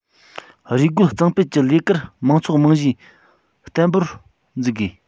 རུལ རྒོལ གཙང སྤེལ གྱི ལས ཀར མང ཚོགས རྨང གཞི བརྟན པོར འཛུགས དགོས